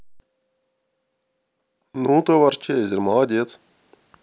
ну товарчерез молодец